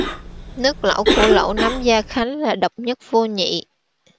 nước lẩu của lẩu nấm gia khánh là độc nhất vô nhị